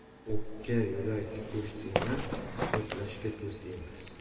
o'pka yurak go'sht emas hisoblashgan do'st emas